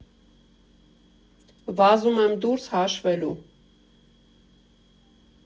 Վազում եմ դուրս հաշվելու։